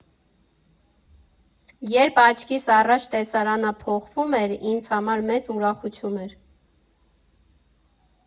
Երբ աչքիս առաջ տեսարանը փոխվում էր, ինձ համար մեծ ուրախություն էր։